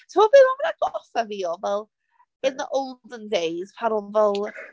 Timod be mae'n atgoffa fi o fel in the olden days pan oedd fel...